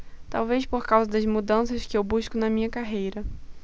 talvez por causa das mudanças que eu busco na minha carreira